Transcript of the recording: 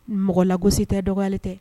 Mɔgɔlagosi tɛ dɔgɔ tɛ